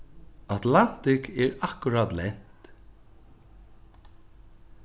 atlantic er akkurát lent